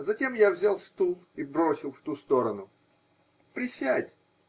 Затем я взял стул и бросил в ту сторону. -- Присядь.